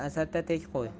asadda tek qo'y